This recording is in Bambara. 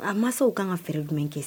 A ma se' kan ka fɛrɛ jumɛn kɛ